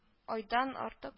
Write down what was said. Айдан артык